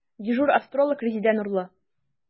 Дежур астролог – Резеда Нурлы.